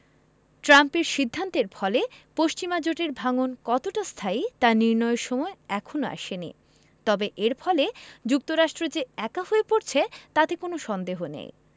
ট্রাম্পের সিদ্ধান্তের ফলে পশ্চিমা জোটের ভাঙন কতটা স্থায়ী তা নির্ণয়ের সময় এখনো আসেনি তবে এর ফলে যুক্তরাষ্ট্র যে একা হয়ে পড়ছে তাতে কোনো সন্দেহ নেই